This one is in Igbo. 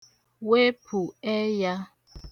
wepụ ẹyā